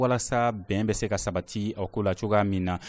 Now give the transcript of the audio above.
walasa bɛn bɛ se ka sabati o ko la cogoya min na